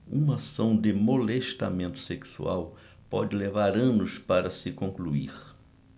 uma ação de molestamento sexual pode levar anos para se concluir